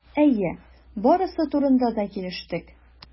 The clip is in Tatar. Әйе, барысы турында да килештек.